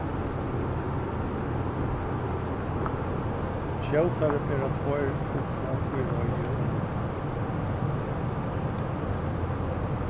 skjótari bera tveir fuglar í reiður enn ein